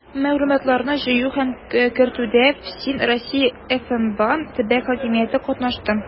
Мәгълүматларны җыю һәм кертүдә ФСИН, Россия ФМБА, төбәк хакимияте катнашты.